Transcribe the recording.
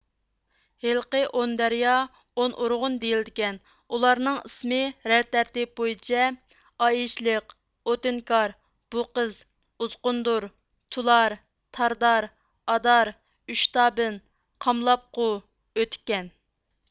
ھېلىقى ئون دەريا ئون ئۇرغۇن دېيىلىدىكەن ئۇلارنىڭ ئىسمى رەت تەرتىپى بويىچە ئايئىشلىق ئوتىنكار بۇقىز ئوزقوندۇر تۇلار تاردار ئادار ئۈچ تابىن قاملابقۇ ئۆتىكەن